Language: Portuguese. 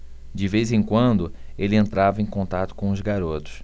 de vez em quando ele entrava em contato com os garotos